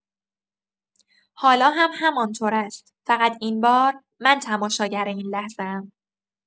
حالا هم همان‌طور است، فقط این بار، من تماشاگر این لحظه‌ام.